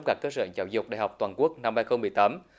các cơ sở giáo dục đại học toàn quốc năm hai không mười tám